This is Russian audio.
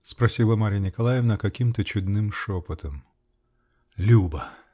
-- спросила Марья Николаевна каким-то чудным шепотом. -- Любо!